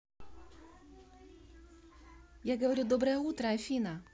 я говорю доброе утро афина